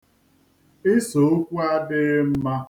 Ise okwu adịghị mma.